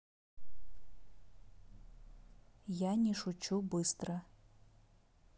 я не шучу быстро